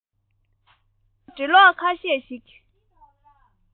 ཙི ཙི ཕོ དེ འགྲེ སློག ཁ ཤས ཤིག